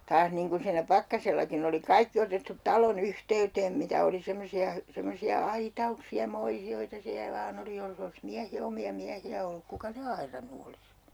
taas niin kuin siinä Pakkasellakin oli kaikki otettu talon yhteyteen mitä oli semmoisia - semmoisia aitauksia moisioita siellä vain oli jos ei olisi - omia miehiä ollut kuka ne aidannut olisi